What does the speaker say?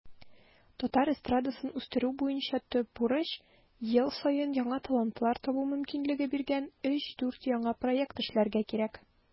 Татар эстрадасын үстерү буенча төп бурыч - ел саен яңа талантлар табу мөмкинлеге биргән 3-4 яңа проект эшләргә кирәк.